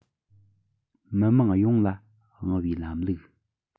མི དམངས ཡོངས ལ དབང བའི ལམ ལུགས